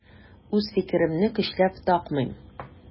Үз фикеремне көчләп такмыйм.